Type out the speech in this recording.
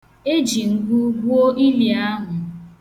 Eji ngwu gwuo ili ahụ.